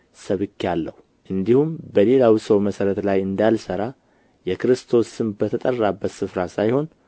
ሰብኬአለሁ እንዲሁም በሌላው ሰው መሠረት ላይ እንዳልሠራ የክርስቶስ ስም በተጠራበት ስፍራ ሳይሆን